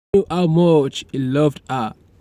I knew how much he loved her."